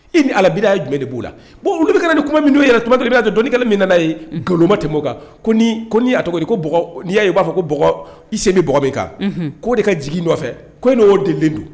I ni alabi ye jumɛn de b'o la bon olu bɛ kɛ ni kuma min'o yɛrɛ tumaba de b'a don dɔn kelen min nana ye nkalonma tɛ' kan ko n' tɔgɔ n'i yaa i b'a fɔ ko b i sen ni min kan k'o de ka jigin nɔfɛ ko e'o denlen don